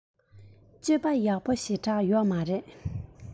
སྤྱོད པ ཡག པོ ཞེ དྲགས ཡོད མ རེད